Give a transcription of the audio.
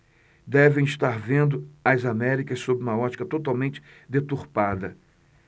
devem estar vendo as américas sob uma ótica totalmente deturpada